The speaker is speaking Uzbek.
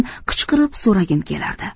qichqirib so'ragim kelardi